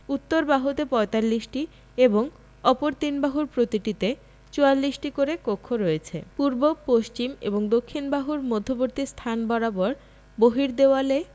উত্তর বাহুতে ৪৫টি এবং অপর তিন বাহুর প্রতিটিতে ৪৪টি করে কক্ষ রয়েছে পূর্ব পশ্চিম এবং দক্ষিণ বাহুর মধ্যবর্তী স্থান বরাবর বহির্দেওয়ালে